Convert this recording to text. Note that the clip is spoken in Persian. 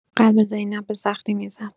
قلب زینب به‌سختی می‌زد.